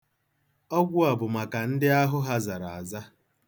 Ọgwụ a bụ maka ndị ahụ ha zara aza.